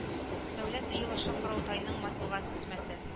Дәүләт ыелышы-корылтайның матбугат хезмәте